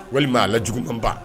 Walima a la jugu ma ban